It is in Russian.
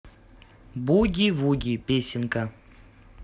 буги вуги песенка